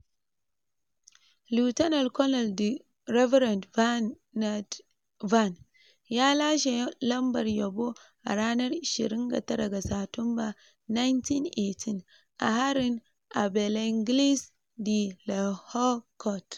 Lt Col The Reverend Bernard Vann ya lashe lambar yabo a ranar 29 Satumba 1918 a harin a Bellenglise da Lehaucourt.